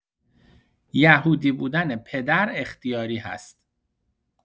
یهودی بودن پدر اختیاری هست